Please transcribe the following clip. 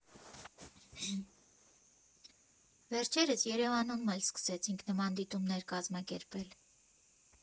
Վերջերս Երևանում էլ սկսեցինք նման դիտումներ կազմակերպել։